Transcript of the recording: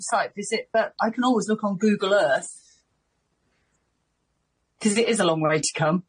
to a site visit but I can always look on Google Earth cause it is a long way to come.